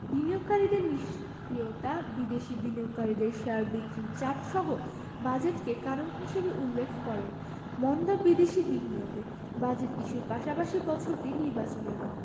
বিনিয়োগকারীদের নিষ্ক্রিয়তা বিদেশি বিনিয়োগকারীদের শেয়ার বিক্রির চাপসহ বাজেটকে কারণ হিসেবে উল্লেখ করেন মন্দা বিদেশি বিনিয়োগে বাজেট ইস্যুর পাশাপাশি বছরটি নির্বাচনেরও